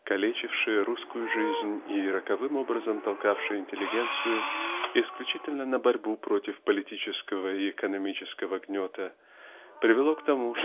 калечившая русскую жизнь и роковым образом толкавшая интеллигенцию исключительно на борьбу против политического и экономического гнета привело к тому